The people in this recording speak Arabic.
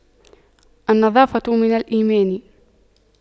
النظافة من الإيمان